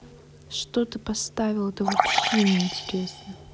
что ты поставила это вообще не интересно